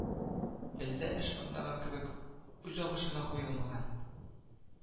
Бездә эш андагы кебек үзагышына куелмаган